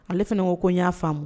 Ale fɛnɛ ko ko n y'a faamu